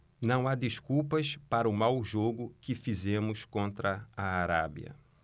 não há desculpas para o mau jogo que fizemos contra a arábia